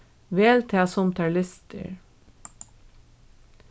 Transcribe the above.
vel tað sum tær lystir